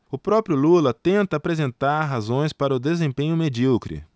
o próprio lula tenta apresentar razões para o desempenho medíocre